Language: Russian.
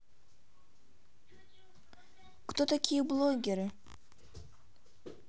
кто такие блогеры